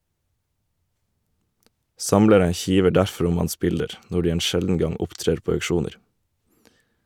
Samlere kiver derfor om hans bilder, når de en sjelden gang opptrer på auksjoner.